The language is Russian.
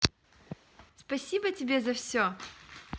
спасибо тебе за все